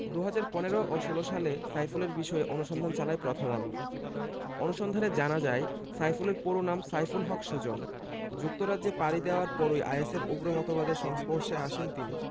২০১৫ ও ২০১৬ সালে সাইফুলের বিষয়ে অনুসন্ধান চালায় প্রথম আলো অনুসন্ধানে জানা যায় সাইফুলের পুরো নাম সাইফুল হক সুজন যুক্তরাজ্যে পাড়ি দেওয়ার পরই আইএসের উগ্র মতবাদের সংস্পর্শে আসেন তিনি